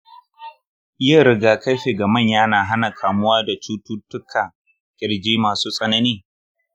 yin rigakafi ga manya na hana kamuwa da cututtukan kirji masu tsanani.